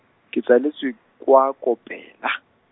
ke tsaletswe, kwa Kopela.